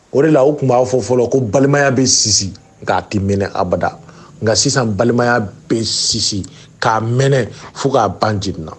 O de la o tun b'a fɔ fɔlɔ ko balimaya bɛ sisi k'a tɛ mɛnɛ abada nka sisan balimaya bɛ sisi k'a mɛnɛ fo k'a ban jina